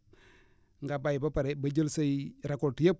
nga bay ba pare ba jël say récolte yëpp